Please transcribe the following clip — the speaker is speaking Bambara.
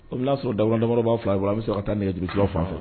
N'a y'a sɔrɔ dakuruɲan damadɔ b'aw 2 bolo an bɛ sɔrɔ ka taa nɛgɛjurusoiraw fan fɛ.